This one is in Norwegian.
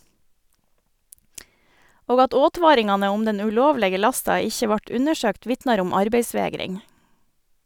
Og at åtvaringane om den ulovlege lasta ikkje vart undersøkt, vitnar om arbeidsvegring.